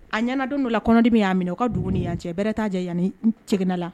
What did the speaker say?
A ɲɛna don dɔ la kɔnɔdimin y'a minɛ u ka dugu ni yan cɛ bɛrɛ t'a jɛ yan ni cɛkena la